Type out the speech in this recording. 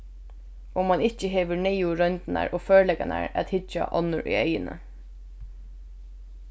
og mann ikki hevur neyðugu royndirnar og førleikarnar at hyggja onnur í eyguni